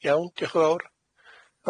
Na, iawn, diolch yn fowr.